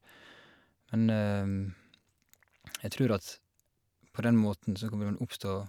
Men jeg tror at på den måten så kommer en oppstå...